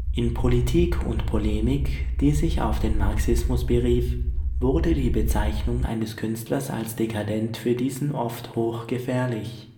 In Politik und Polemik, die sich auf den Marxismus berief, wurde die Bezeichnung eines Künstlers als „ dekadent “für diesen oft hochgefährlich